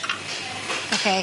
Oce.